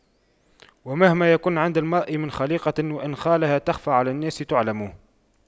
ومهما يكن عند امرئ من خَليقَةٍ وإن خالها تَخْفَى على الناس تُعْلَمِ